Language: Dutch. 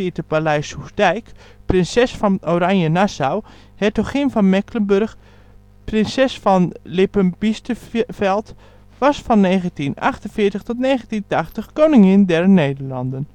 te Paleis Soestdijk), prinses van Oranje-Nassau, hertogin van Mecklenburg, prinses van Lippe-Biesterfeld, was van 1948 tot 1980 Koningin der Nederlanden